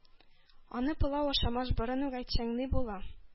Аны пылау ашамас борын ук әйтсәң ни була!